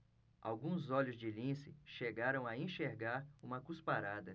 alguns olhos de lince chegaram a enxergar uma cusparada